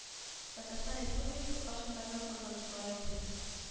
Татарстан Республикасы каршындагы казанышлары өчен